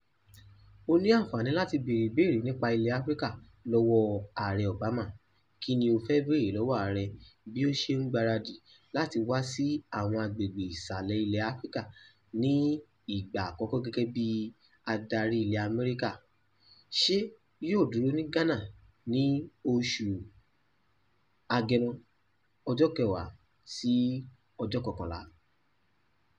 O ní àǹfààní láti beèrè ìbéèrè nípa ilẹ̀ Áfíríkà lọ́wọ Aàrẹ Obama: Kí ni o fẹ́ bèèrè lọ́wọ Aàrẹ Obama bí ó ṣe ń gbaradì láti wá sí àwọn agbègbè aṣálẹ̀ ilẹ̀ Áfíríkà ní ìgbà àkọ́kọ́ gẹ́gẹ́ bi adarí ilẹ̀ Àmẹ́ríkà – ṣé yóò dúró ní Ghana ni July 10-11?